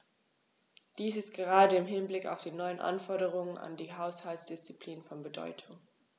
Dies ist gerade im Hinblick auf die neuen Anforderungen an die Haushaltsdisziplin von Bedeutung.